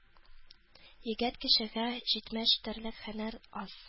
Егет кешегә җитмеш төрле һөнәр аз.